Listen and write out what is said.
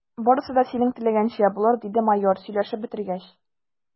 Барысы да син теләгәнчә булыр, – диде майор, сөйләшеп бетергәч.